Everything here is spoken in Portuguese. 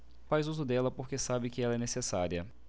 faz uso dela porque sabe que ela é necessária